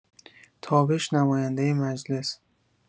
تابش نماینده مجلس